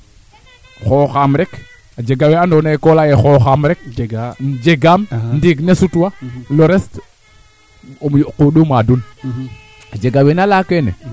bo a tax Djiby ga' a saaxo leene o coyina waago da in lool meene ga'a o coyin ne duufa o fasongo leŋ no qol